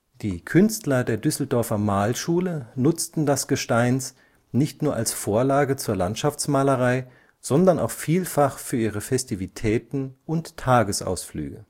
Die Künstler der Düsseldorfer Malerschule nutzten das Gesteins nicht nur als Vorlage zur Landschaftsmalerei, sondern auch vielfach für ihre Festivitäten und Tagesausflüge